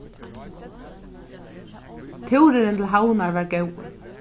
túrurin til havnar var góður